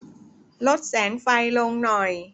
ลดแสงไฟลงหน่อย